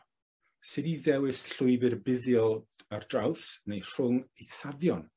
sud i ddewis llwybyr buddiol ar draws neu rhwng eithafion.